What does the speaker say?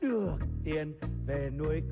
được tiền về nuôi